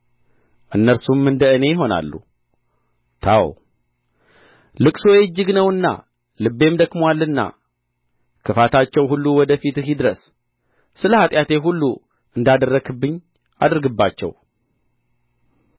እነርሱም እንደ እኔ ይሆናሉ ታው ልቅሶዬ እጅግ ነውና ልቤም ደክሞአልና ክፋታቸው ሁሉ ወደ ፊትህ ይድረስ ስለ ኃጢአቴ ሁሉ እንዳደረግህብኝ አድርግባቸው